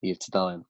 i'r tudalen